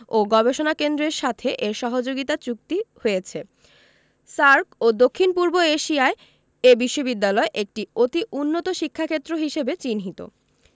ও গবেষণা কেন্দ্রের সাথে এর সহযোগিতা চুক্তি হয়েছে সার্ক ও দক্ষিণ পূর্ব এশিয়ায় এ বিশ্ববিদ্যালয় একটি অতি উন্নত শিক্ষাক্ষেত্র হিসেবে চিহ্নিত